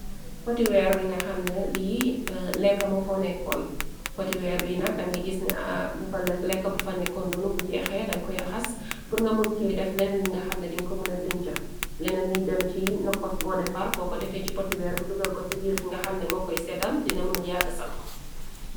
Le potiweer biy nag danga gis ni bfa lekka bu fanekoon noonu bu jeexee dan koy raxas bur nga muncey def leneen li nga xamna din ko muna diñca leneen liy dem ci nokos boo defar boo ko defee ci potiweer bi dugal ko siviir fi nga xamne moo koy seddal dina muna yagg saloxo.